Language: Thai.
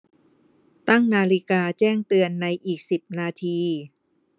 ตั้งนาฬิกาแจ้งเตือนในอีกสิบนาที